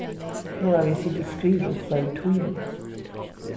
nú havi eg sitið og skrivað í fleiri tímar